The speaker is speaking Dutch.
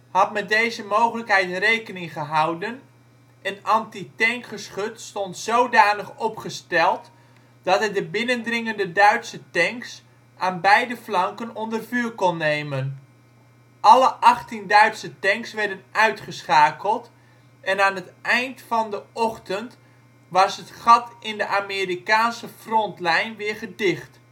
had met deze mogelijkheid rekening gehouden en antitankgeschut stond zodanig opgesteld, dat het de binnendringende Duitse tanks aan beide flanken onder vuur kon nemen. Alle achttien Duitse tanks werden uitgeschakeld en aan het eind van de ochtend was het gat in de Amerikaanse frontlijn weer gedicht